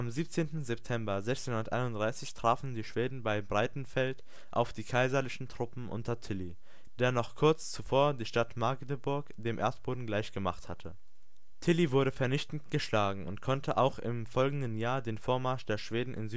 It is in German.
17. September 1631 trafen die Schweden bei Breitenfeld auf die kaiserlichen Truppen unter Tilly, der noch kurz zuvor die Stadt Magdeburg dem Erdboden gleich gemacht hatte. Tilly wurde vernichtend geschlagen und konnte auch im folgenden Jahr den Vormarsch der Schweden in